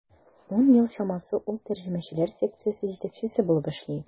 Ун ел чамасы ул тәрҗемәчеләр секциясе җитәкчесе булып эшли.